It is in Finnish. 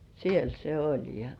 siellä se oli ja